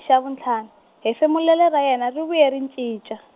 xa vunthlanu, Hefemulela ra yena ri vuye ri cinca.